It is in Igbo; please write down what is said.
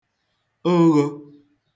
oghō